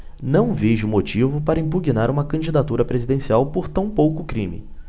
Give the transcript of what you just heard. não vejo motivo para impugnar uma candidatura presidencial por tão pouco crime